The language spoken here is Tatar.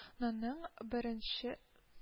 Нының беренче